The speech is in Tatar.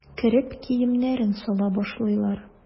Кереп киемнәрен сала башлыйлар.